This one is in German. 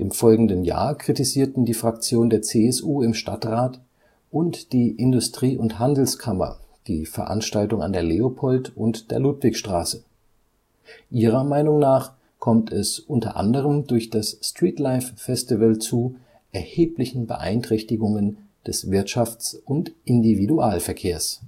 folgenden Jahr kritisierten die Fraktion der CSU im Stadtrat und die Industrie - und Handelskammer die Veranstaltung an der Leopold - und der Ludwigstraße: Ihrer Meinung nach kommt es unter anderem durch das Streetlife Festival zu „ erhebliche [n] Beeinträchtigung [en] des Wirtschafts - und Individualverkehrs